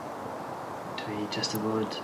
Dwi jyst a bod